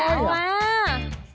quá